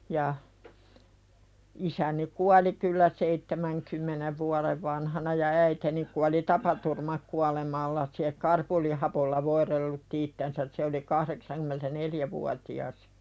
ja isäni kuoli kyllä seitsemänkymmenen vuoden vanhana ja äitini kuoli tapaturmakuolemalla se karbolihapolla voidellutti itsensä se oli kahdeksankymmentävuotias